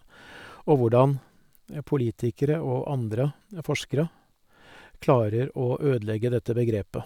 Og hvordan politikere og andre forskere klarer å ødelegge dette begrepet.